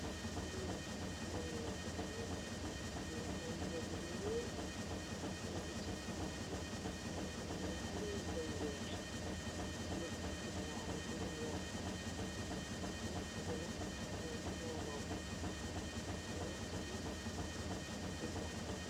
jigeen bi itow nina ku chansela mungi sol boobu ñuo boo bi ci baab bi mungi am ñaariweddey weex mungile tuti baare buñu yokqa bi nag dañ kooraw te yokqa bi defa gudda.